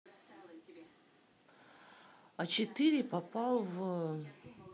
а четыре попал в